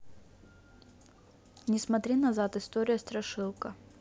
не смотри назад история страшилка